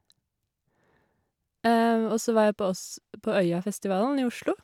Og så var jeg på oss på Øyafestivalen i Oslo.